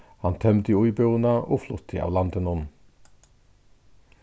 hann tømdi íbúðina og flutti av landinum